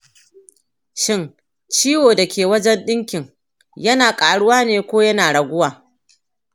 shin ciwon da ke wajen dinkin yana ƙaruwa ne ko yana raguwa?